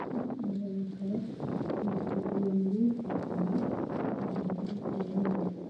Meeshaan waxa yaallo kabo midabkoodu uu yahay madow iyo jaalle dhulka ay yaaliina waa cadaan